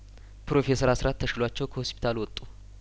ፕሮፌሰር አስራት ተሽ ሏቸው ከሆስፒታልወጡ